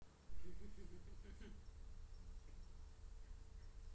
пишу показывает а говорю не работает почему ты не записываешь